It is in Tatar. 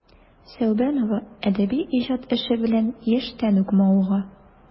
Сәүбанова әдәби иҗат эше белән яшьтән үк мавыга.